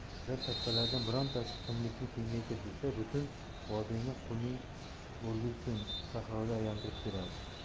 agar kattalardan birontasi qumlikni kengaytir desa butun vodiyni quling o'rgilsin sahroga aylantirib beradi